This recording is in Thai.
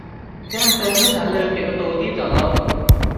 แจ้งเตือนเมื่อฉันลืมปิดประตูที่จอดรถ